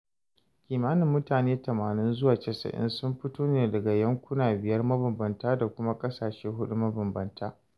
Kimanin mutane 80 zuwa 90 sun fito ne daga yankuna 5 mabambanta da kuma ƙasashe 4 mabambanta.